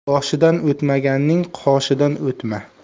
boshidan o'tmaganning qoshidan o'tma